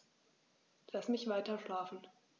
Lass mich weiterschlafen.